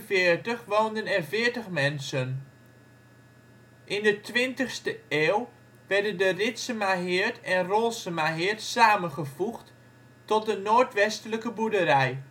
1845 woonden er 40 mensen. In de 20e eeuw werden de Ritsemaheerd en Rolsemaheerd samengevoegd tot de noordwestelijke boerderij